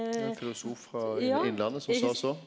det er ein filosof frå Innlandet som sa så.